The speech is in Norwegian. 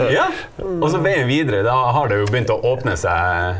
ja også veien videre da har det jo begynt å åpne seg.